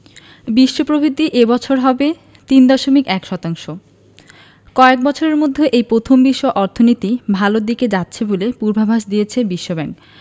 বিশ্ব প্রবৃদ্ধি এ বছর হবে ৩.১ শতাংশ কয়েক বছরের মধ্যে এই প্রথম বিশ্ব অর্থনীতি ভালোর দিকে যাচ্ছে বলে পূর্বাভাস দিয়েছে বিশ্বব্যাংক